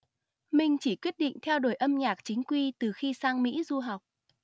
minh chỉ quyết định theo đuổi âm nhạc chính quy từ khi sang mỹ du học